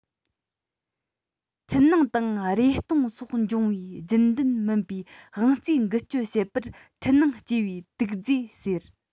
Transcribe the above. འཕྲུལ སྣང དང རེ སྟོང སོགས འབྱུང བའི རྒྱུན ལྡན མིན པའི དབང རྩའི འགུལ སྐྱོད བྱེད པར འཕྲུལ སྣང སྐྱེས པའི དུག རྫས ཟེར